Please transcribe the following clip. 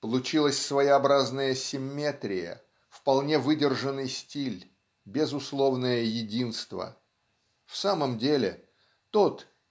Получилась своеобразная симметрия вполне выдержанный стиль безусловное единство. В самом деле тот